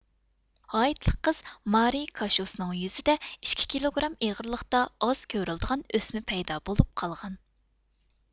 ھايتىلىق قىز مارى كاشۇسنىڭ يۈزىدە ئىككى كىلوگرام ئېغىرلىقتا ئاز كۆرۈلىدىغان ئۆسمە پەيدا بولۇپ قالغان